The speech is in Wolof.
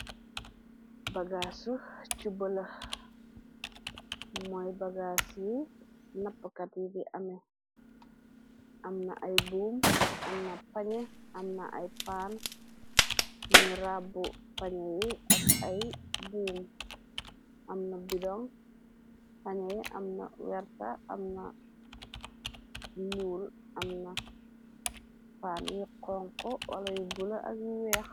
bagaas ci bëla mooy bagaas yi nappkat yi di ame ,am na ay buum amna pañe amna ay paan ñu rabb .pañé yi ak ay buum am na bydoŋ ,pañe yi am na werta am na nuul am na paan yi xon ko wala yu bula ak yu weex.